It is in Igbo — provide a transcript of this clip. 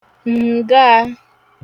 ǹgaā